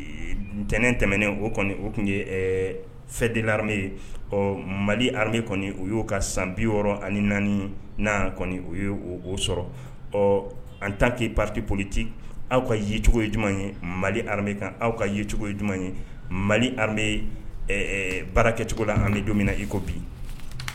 Ntɛnɛnen tɛmɛnen o kɔni o tun ye fɛdi ye ɔ malibu kɔni u y'o ka san bi6 ani naani naani kɔni o ye o sɔrɔ ɔ an ta kɛ patioliti aw ka yecogo ye jumɛn ye mali kan aw ka yecogo ye jumɛn ye mali baarakɛ cogo la ami don min na iko bi